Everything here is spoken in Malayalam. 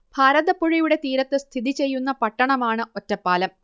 ഭാരതപ്പുഴയുടെ തീരത്ത് സ്ഥിതി ചെയ്യുന്ന പട്ടണമാണ് ഒറ്റപ്പാലം